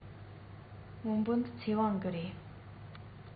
སྔོན པོ འདི ཚེ དབང གི རེད